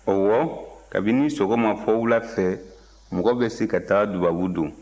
ɔwɔ kabini sɔgɔma fɔ wula fɛ mɔgɔ bɛ se ka taa dubabu don